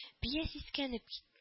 Бия сискәнеп кит